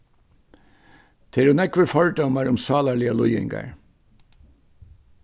tað eru nógvir fordómar um sálarligar líðingar